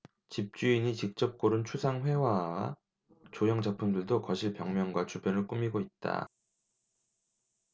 집주인이 직접 고른 추상 회화와 조형 작품들도 거실 벽면과 주변을 꾸미고 있다